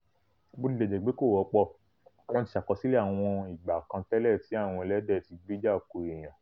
Bó tilẹ̀ jẹ́ pé kò wọ́pọ̀, wọ́n ti ṣàkọsílẹ̀ àwọn ìgbà kan tẹ́lẹ̀ tí àwọn ẹlẹ́dẹ̀ ti gbéjà ko èèyàn.